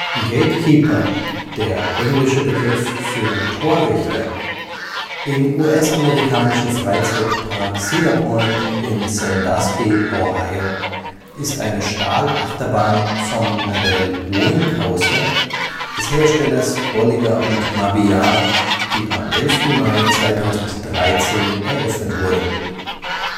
GateKeeper (englisch für Torwächter) im US-amerikanischen Freizeitpark Cedar Point (Sandusky, Ohio) ist eine Stahlachterbahn vom Modell Wing Coaster des Herstellers Bolliger & Mabillard, die am 11. Mai 2013 eröffnet wurde. Die